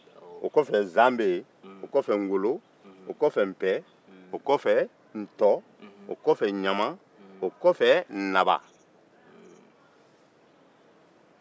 o kɔfɛ zan bɛ yen ŋolo npiyɛ ntɔ ɲama o kɔfe naba